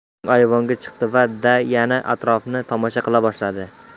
so'ng ayvonga chiqdi da yana atrofni tomosha qila boshladi